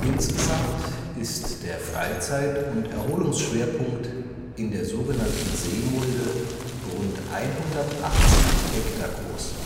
Insgesamt ist der Freizeit - und Erholungsschwerpunkt in der so genannten Seemulde rund 180 Hektar groß